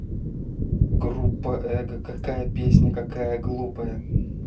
группа эго какая песня какая глупая